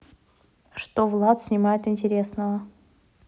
что влад снимает интересного